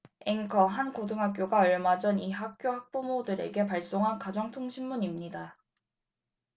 앵커 한 고등학교가 얼마 전 이 학년 학부모들에게 발송한 가정통신문입니다